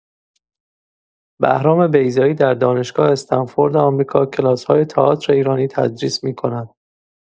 بهرام بیضایی در دانشگاه استنفورد آمریکا کلاس‌های تئاتر ایرانی تدریس می‌کند.